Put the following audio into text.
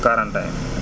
41